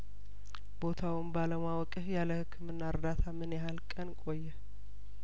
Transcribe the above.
ቦታውን ባለማወቅህ ያለህክምና እርዳታምን ያህል ቀን ቆየህ